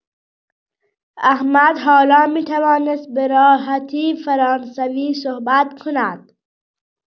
احمد حالا می‌توانست به راحتی فرانسوی صحبت کند.